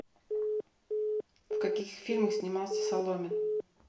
в каких фильмах снимался соломин